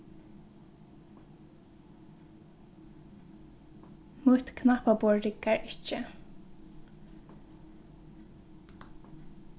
mítt knappaborð riggar ikki